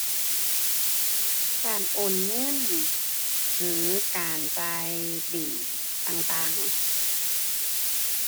การโอนเงินหรือการจ่ายบิลต่างต่าง